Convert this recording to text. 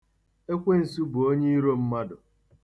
Ekwensu bụ onyeiro mmadụ.